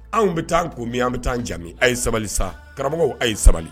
Anw bɛ taa kun min an bɛ taa jamumi a ye sabali sa karamɔgɔw aw ye sabali